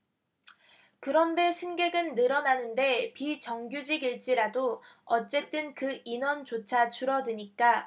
그런데 승객은 늘어나는데 비정규직일지라도 어쨌든 그 인원조차 줄어드니까